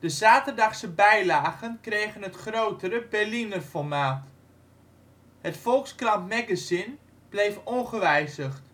De zaterdagse bijlagen kregen het grotere Berlinerformaat. Het Volkskrant Magazine bleef ongewijzigd